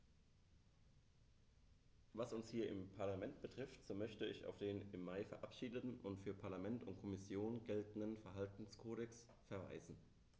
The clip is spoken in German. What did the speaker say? Was uns hier im Parlament betrifft, so möchte ich auf den im Mai verabschiedeten und für Parlament und Kommission geltenden Verhaltenskodex verweisen.